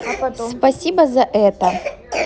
спасибо за это